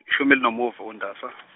ishumi elinomuvo uNdasa .